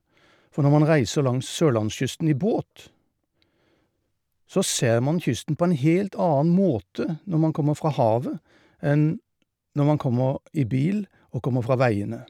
For når man reiser langs Sørlandskysten i båt, så ser man kysten på en helt annen måte når man kommer fra havet, enn når man kommer i bil og kommer fra veiene.